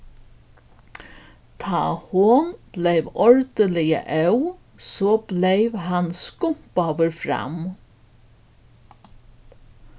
tá hon bleiv ordiliga óð so bleiv hann skumpaður fram